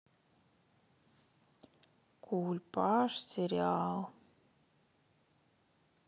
кульпаш сериал